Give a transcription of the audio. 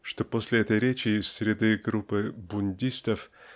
что после этой речи из среды группы "бундистов"